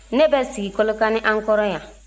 ne bɛ sigi kɔlɔkani an kɔrɔ yan